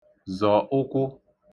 zọ̀ ụkwụ